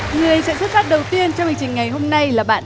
người sẽ xuất phát đầu tiên trong hành trình ngày hôm nay là bạn